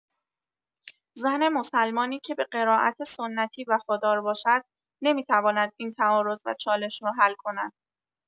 زن مسلمانی که به قرائت سنتی وفادار باشد، نمی‌تواند این تعارض و چالش را حل کند.